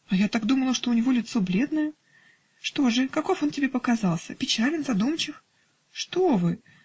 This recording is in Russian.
А я так думала, что у него лицо бледное. Что же? Каков он тебе показался? Печален, задумчив? -- Что вы?